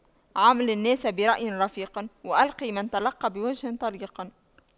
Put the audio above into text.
عامل الناس برأي رفيق والق من تلقى بوجه طليق